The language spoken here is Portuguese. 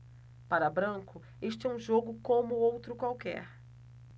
para branco este é um jogo como outro qualquer